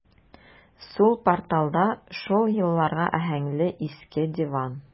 Сул порталда шул елларга аһәңле иске диван.